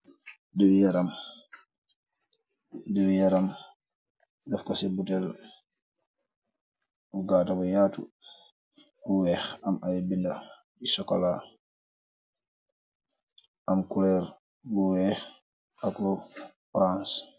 Dew yaram dafko ci butel bu gaata bu yaatu bu weex am ay bind bi sokola am kuleer bu weex ak lu orance.